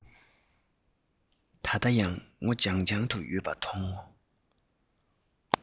ད ལྟ ཡང སྔོ ལྗང ལྗང དུ ཡོད པ མཐོང